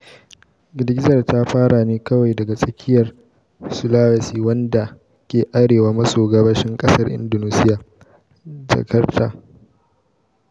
Girgizar ta fara ne kawai daga tsakiyar Sulawesi wanda ke arewa maso gabashin kasar Indonesia, Jakarta.